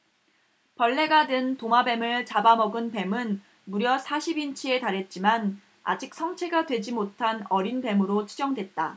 벌레가 든 도마뱀을 잡아 먹은 뱀은 무려 사십 인치에 달했지만 아직 성체가 되지 못한 어린 뱀으로 추정됐다